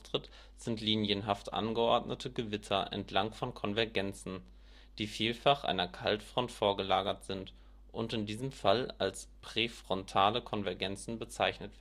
sind linienhaft angeordnete Gewitter entlang von Konvergenzen, die vielfach einer Kaltfront vorgelagert sind und in diesem Fall als präfrontale Konvergenzen bezeichnet